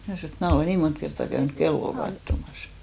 minä sanoin että minä olen niin monta kertaa käynyt kelloa katsomassa